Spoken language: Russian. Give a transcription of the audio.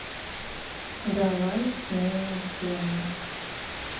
давай сменим тему